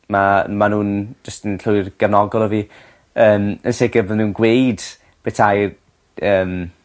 Ma' ma' nw'n jyst yn llwyr gefnogol o fi. Yn yn sicir bydden nw'n gweud petai'r yym